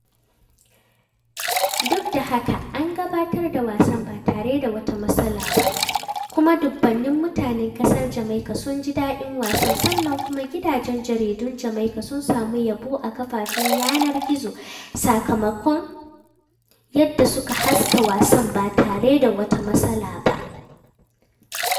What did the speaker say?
Duk da haka, an gabatar da wasan ba tare da wata matsala ba, kuma dubunnan mutanen ƙasar Jamaika sun ji daɗin wasan, sannan kuma gidajen jaridun Jamaika sun samu yabo a kafafen yanar gizo sakamakon yadda suka haska wasan ba tare da wata tangarɗa ba.